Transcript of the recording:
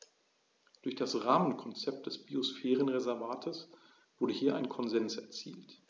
Durch das Rahmenkonzept des Biosphärenreservates wurde hier ein Konsens erzielt.